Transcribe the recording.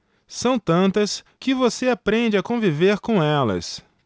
são tantas que você aprende a conviver com elas